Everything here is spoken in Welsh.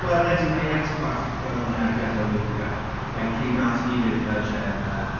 Wel ydy mae hi yn tipyn bach fel hwnna gyda Luca like pryd wnaeth hi, Luca, a Gemma...